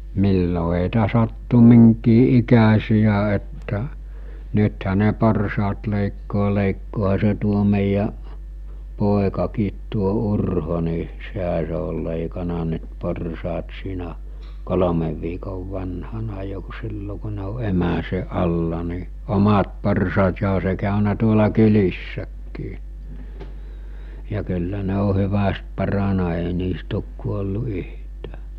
milloin heitä sattui minkin ikäisiä että nythän ne porsaat leikkaa leikkaahan se tuo meidän poikakin tuo Urho niin sehän se oli leikannut nyt porsaat siinä kolmen viikon vanhana jo kun silloin kun ne on emänsä alla niin omat porsaat ja onhan se käynyt tuolla kylissäkin ja kyllä ne on hyvästi parantunut ei niistä ole kuollut yhtään